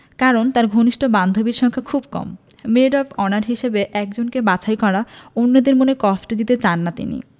কারণ তাঁর ঘনিষ্ঠ বান্ধবীর সংখ্যা খুব কম মেড অব অনার হিসেবে একজনকে বাছাই করে অন্যদের মনে কষ্ট দিতে চান না তিনি